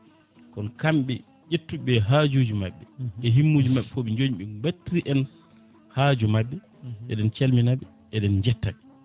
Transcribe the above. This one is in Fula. kono kamɓe ƴettuɓe hajuji mabɓe e himmuji mabɓe foof ɓe jooñi ɓe battiri en haaju mabɓe eɗen calminaɓe eɗen jettaɓe